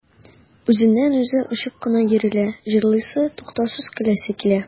Үзеннән-үзе очып кына йөрелә, җырлыйсы, туктаусыз көләсе килә.